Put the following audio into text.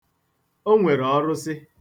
O nwere ọrụsị.